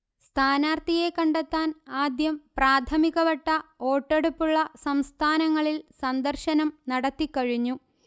സ്ഥാനാർഥിയെ കണ്ടെത്താൻ ആദ്യം പ്രാഥമിക വട്ട വോട്ടെടുപ്പുള്ള സംസ്ഥാനങ്ങളിൽ സന്ദർശനം നടത്തിക്കഴിഞ്ഞു